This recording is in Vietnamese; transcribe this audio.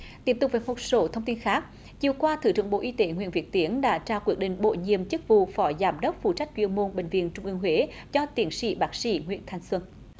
tiếp tục với một số thông tin khác chiều qua thứ trưởng bộ y tế nguyễn việt tiến đã trao quyết định bổ nhiệm chức vụ phó giám đốc phụ trách chuyên môn bệnh viện trung ương huế cho tiến sĩ bác sĩ nguyễn thanh xuân